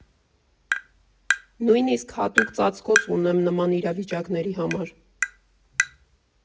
Նույնիսկ հատուկ ծածկոց ունեմ նման իրավիճակների համար։